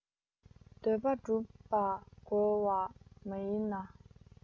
འདོད པ སྒྲུབ པ དགེ བ མ ཡིན ན